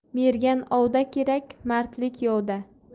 mergan ovda kerak mardlik yovda